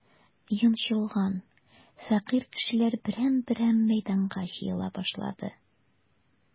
Йончылган, фәкыйрь кешеләр берәм-берәм мәйданга җыела башлады.